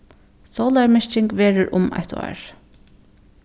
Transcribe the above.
sólarmyrking verður um eitt ár